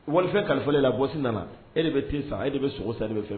Warifɛ kalifa e la bɔsi nana e de bɛ sin san e de bɛ sogoɔgɔ san de bɛ fɛ